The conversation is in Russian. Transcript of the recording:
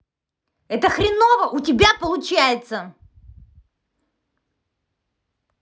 это хреново у тебя получается